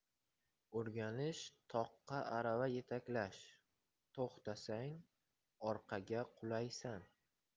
o'rganish toqqa arava yetaklash to'xtasang orqaga qulaysan